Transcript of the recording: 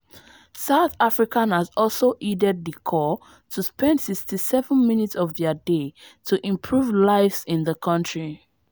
South Africans have also heeded the call to spend 67 minutes of their day to improve lives in the country.